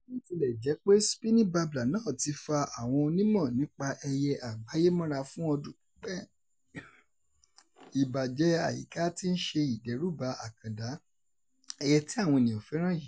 Bí ó ti lẹ̀ jẹ́ pé Spiny Babbler náà ti fa àwọn onímọ̀-nípa-ẹyẹ àgbáyé mọ́ra fún ọdún pípẹ́, ìbàjẹ́ àyíká ti ń ṣe ìdẹ́rùbà àkàndá, ẹyẹ tí àwọn ènìyàn fẹ́ràn yìí.